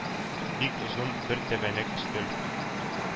Бик озын бер тәбәнәк өстәл.